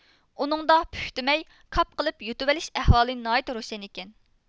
ئۇنىڭدا پۈف دېمەي كاپ قىلىپ يۇتۇۋېلىش ئەھۋالى ناھايىتى روشەن ئىكەن